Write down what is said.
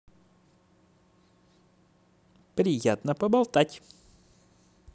приятно поболтать